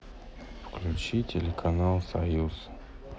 включи телеканал союз